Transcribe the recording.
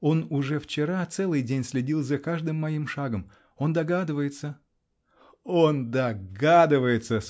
он уже вчера целый день следил за каждым моим шагом. Он догадывается! -- Он догадывается!